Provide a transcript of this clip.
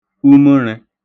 umə̣rẹ̄